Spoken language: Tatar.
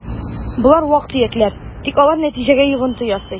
Болар вак-төякләр, тик алар нәтиҗәгә йогынты ясый: